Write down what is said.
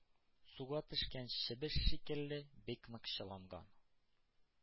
Суга төшкән чебеш шикелле, бик нык чыланган